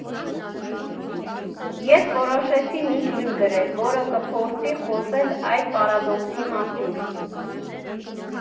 Ես որոշեցի մի ֆիլմ գրել, որը կփորձի խոսել այդ պարադոքսի մասին։